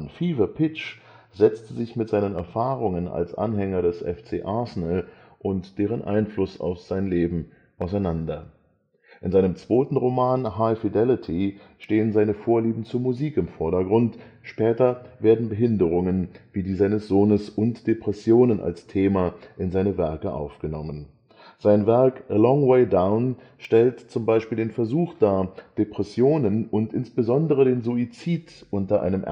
Fever Pitch setzte sich mit seinen Erfahrungen als Anhänger des FC Arsenal und deren Einfluss auf sein Leben auseinander. In seinem zweiten Roman High Fidelity stehen seine Vorlieben zur Musik im Vordergrund, später werden Behinderungen (wie die seines Sohnes) und Depressionen als Themen in seine Werke aufgenommen. Sein Werk A Long Way Down stellt zum Beispiel den Versuch dar, Depressionen und insbesondere den Suizid unter einem ernsthaften